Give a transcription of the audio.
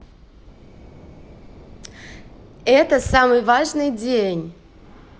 это самый важный день